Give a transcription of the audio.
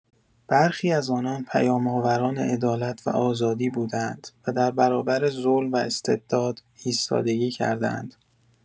برخی از آنان پیام‌آوران عدالت و آزادی بوده‌اند و در برابر ظلم و استبداد ایستادگی کرده‌اند.